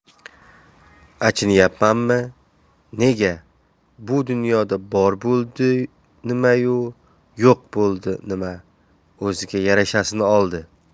achinayapmanmi nega bu dunyoda bor bo'ldi nimayu yo'q bo'ldi nima o'ziga yarashasini oldi